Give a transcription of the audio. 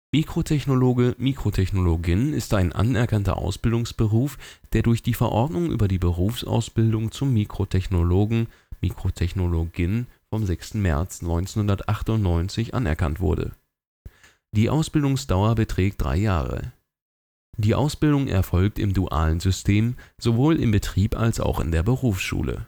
Mikrotechnologe/in ist ein anerkannter Ausbildungsberuf, der durch die Verordnung über die Berufsausbildung zum Mikrotechnologen/in vom 6. März 1998 anerkannt wurde. Die Ausbildungsdauer beträgt drei Jahre. Die Ausbildung erfolgt im dualen System sowohl im Betrieb als auch in der Berufsschule